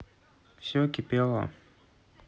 все кипелова